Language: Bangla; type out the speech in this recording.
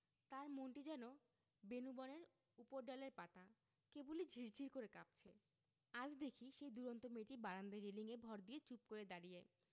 তার মনটি যেন বেনূবনের উপরডালের পাতা কেবলি ঝির ঝির করে কাঁপছে আজ দেখি সেই দূরন্ত মেয়েটি বারান্দায় রেলিঙে ভর দিয়ে চুপ করে দাঁড়িয়ে